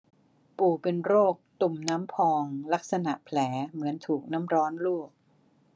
ปู่เป็นโรคตุ่มน้ำพองลักษณะแผลเหมือนถูกน้ำร้อนลวก